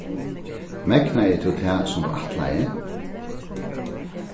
megnaði tú tað sum tú ætlaði